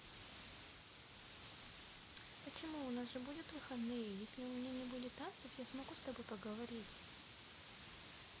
почему у нас же будут выходные если у меня не будет танцев я смогу с тобой поговорить